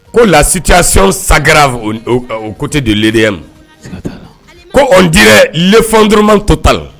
Ko lasitisi saɛrɛra kote don li ma ko n di fɛn dman tota